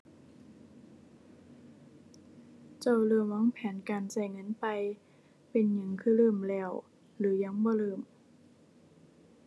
เจ้าเริ่มวางแผนการใช้เงินไป เป็นหยังคือเริ่มแล้วหรือยังบ่เริ่ม